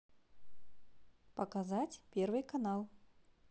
показать первый канал